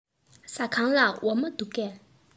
ཟ ཁང ལ འོ མ འདུག གས